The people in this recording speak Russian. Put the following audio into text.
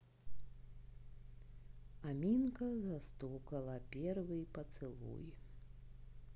аминка застукала первый поцелуй